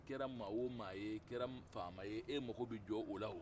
i kɛra maa o maa ye kɛra faama ye e mako bɛ jɔ o la